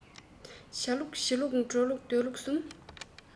བྱ ལུགས བྱེད ལུགས འགྲོ ལུགས སྡོད ལུགས གསུམ